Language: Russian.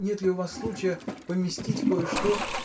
нет ли у вас случая поместить кое-что.